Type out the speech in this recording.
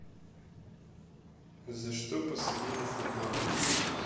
за что посадили фургала